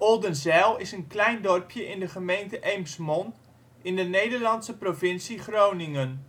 Oldenziel) is een klein dorpje in de gemeente Eemsmond in de Nederlandse provincie Groningen